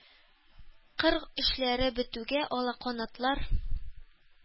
Кыр эшләре бетүгә, алаканатлар,